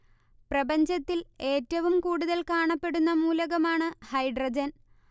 പ്രപഞ്ചത്തിൽ ഏറ്റവും കൂടുതൽ കാണപ്പെടുന്ന മൂലകമാണ് ഹൈഡ്രജൻ